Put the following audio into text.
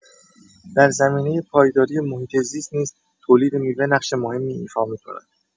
در زمینه پایداری محیط‌زیست نیز تولید میوه نقش مهمی ایفا می‌کند.